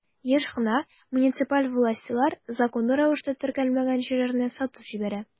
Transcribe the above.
Еш кына муниципаль властьлар законлы рәвештә теркәлмәгән җирләрне сатып җибәрә.